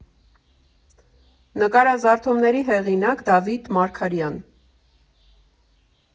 Նկարազարդումների հեղինակ՝ Դավիթ Մարգարյան։